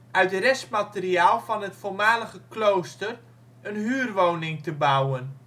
uit restmateriaal van het voormalige klooster een huurwoning te bouwen